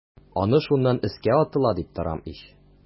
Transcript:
Аны шуннан өскә атыла дип торам ич.